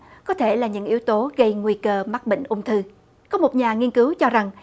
có thể là những yếu tố gây nguy cơ mắc bệnh ung thư có một nhà nghiên cứu cho rằng